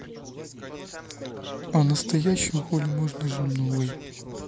о настоящем хуле можно жену выебать